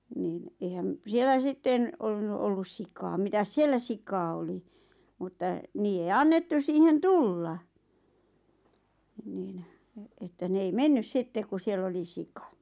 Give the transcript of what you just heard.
niin eihän siellä sitten ollut ollut sikaa mitäs siellä sikaa oli mutta niiden ei annettu siihen tulla niin että ne ei mennyt sitten kun siellä oli sika